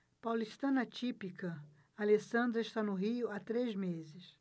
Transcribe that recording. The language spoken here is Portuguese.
paulistana típica alessandra está no rio há três meses